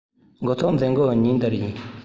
འགོ ཚུགས མཛད སྒོའི ཉིན དེར ཡིན